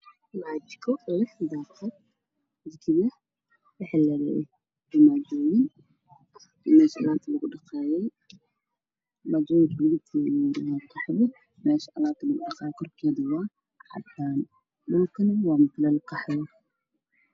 Waajiko oo leh laba kooma diin ta midabkoodiina qaxwayne waxay leedahay meesha alaabta lagu dhaqo waana caddaan laba daaqad ay leedahay waana qaxwi dhulka waa qaxwi